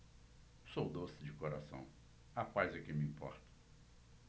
sou doce de coração a paz é que me importa